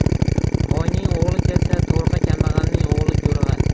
boyning o'g'li kelsa to'rga kambag'alning o'g'li go'rga